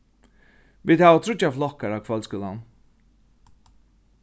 vit hava tríggjar flokkar á kvøldskúlanum